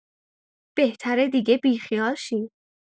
بهتره دیگه بی‌خیال شی.